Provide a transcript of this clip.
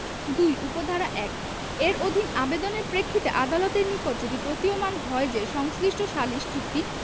২ উপ ধারা ১ এর অধীন আবেদনের প্রেক্ষিতে আদালতের নিকট যদি প্রতীয়মান হয় যে সংশ্লিষ্ট সালিস চুক্তি